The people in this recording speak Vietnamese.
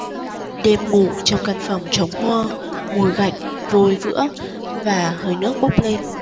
đêm ngủ trong căn phòng trống huơ mùi gạch vôi vữa và hơi nước bốc lên